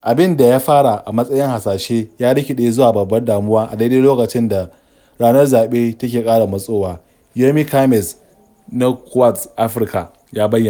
Abin da ya fara a matsayin hasashe ya rikiɗe zuwa babbar damuwa a daidai lokaicn da ranar zaɓe take ƙara matsowa. Yomi Kamez na ƙuartz Africa ya bayyana: